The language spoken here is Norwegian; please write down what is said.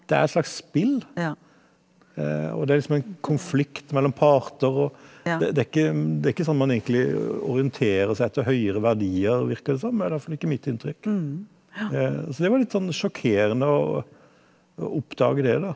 det er et slags spill og det er liksom en konflikt mellom parter, og det det er ikke det er ikke sånn man egentlig orienterer seg etter høyere verdier virker det som, det er i hvert fall ikke i mitt inntrykk, så det var litt sånn sjokkerende å å oppdage det da.